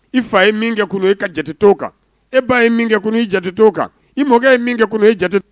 I fa e ba kɛ kun jatigi mɔ ye kɛ i